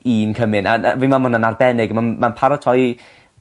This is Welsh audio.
un cymun a n- yy fi'n meddwl ma' wnna'n arbennig a ma'n ma'n paratoi